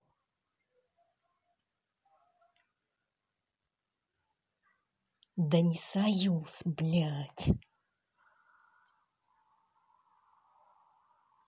да не союз блядь